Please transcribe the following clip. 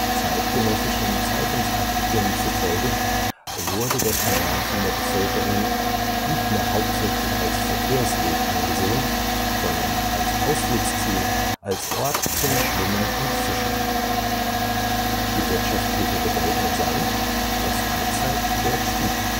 Zeitgenössischen Zeitungsartikeln zufolge wurde der Kanal von der Bevölkerung nicht mehr hauptsächlich als Verkehrsweg angesehen, sondern als Ausflugsziel, als Ort zum Schwimmen und Fischen. Die wirtschaftliche Bedeutung sank, der Freizeitwert stieg